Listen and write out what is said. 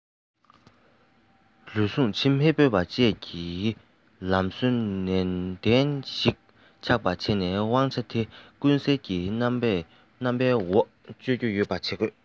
རུལ སུངས བྱེད མི ཕོད པ བཅས ཀྱི ལམ སྲོལ ནུས ལྡན ཞིག ཆགས པར བྱས ནས དབང ཆ དེ ཀུན གསལ གྱི རྣམ པའི འོག སྤྱོད རྒྱུ ཡོང བ བྱེད དགོས